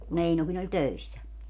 kun Einokin oli töissä